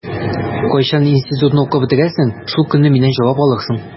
Кайчан институтны укып бетерерсең, шул көнне миннән җавап алырсың.